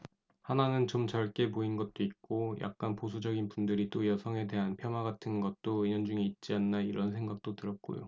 하나는 좀 젊게 보인 것도 있고 약간 보수적인 분들이 또 여성에 대한 폄하 같은 것도 은연중에 있지 않나 이런 생각도 들었고요